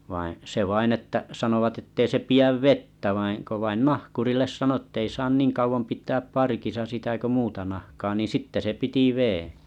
vaan se vain että sanovat että ei se pidä vettä vaan kun vain nahkurille sanoi että ei saa niin kauan pitää parkissa sitä kuin muuta nahkaa niin sitten se piti veden